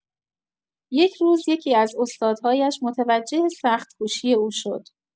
یک روز، یکی‌از استادهایش متوجه سخت‌کوشی او شد.